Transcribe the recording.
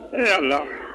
Ee Ala!